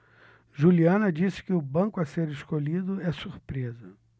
juliana disse que o banco a ser escolhido é surpresa